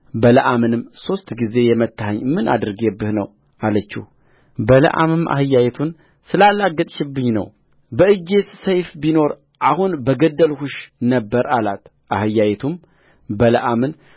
በለዓምንም ሦስት ጊዜ የመታኸኝ ምን አድርጌብህ ነው አለችውበለዓምም አህያይቱን ስላላገጥሽብኝ ነው በእጄስ ሰይፍ ቢኖር አሁን በገደልሁሽ ነበር አላትአህያይቱም በለዓምን